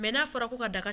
Mɛnaa fɔra' ka daga